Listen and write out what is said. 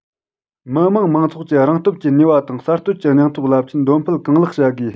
མི དམངས མང ཚོགས ཀྱི རང སྟོབས ཀྱི ནུས པ དང གསར གཏོད ཀྱི སྙིང སྟོབས རླབས ཆེན འདོན སྤེལ གང ལེགས བྱ དགོས